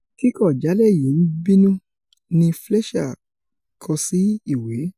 Kíkọ̀jálẹ̀ yìí ńbínu,'' ni Fleischer kọsí ìwé.